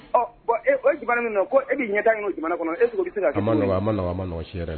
Ɔ bɔn o jamana min na ko e bɛ ɲɛta ɲini jamana kɔnɔ e' tɛ se kaɔgɔn a ma nɔgɔ ma nɔɔgɔn si yɛrɛ dɛ